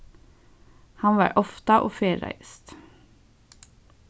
hann var ofta og ferðaðist